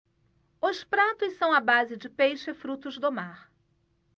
os pratos são à base de peixe e frutos do mar